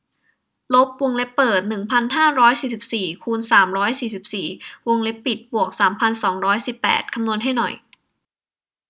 ลบวงเล็บเปิดหนึ่งพันห้าร้อยสี่สิบสี่คูณสามร้อยสี่สิบสี่วงเล็บปิดบวกสามพันสองร้อยสิบแปดคำนวณให้หน่อย